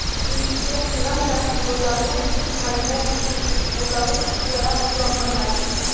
Инглизләр, чыннан да, конвойларны Кригсмарине өчен алдавыч буларак кулланганнар.